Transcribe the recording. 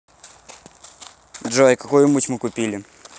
джой какую муть мы купили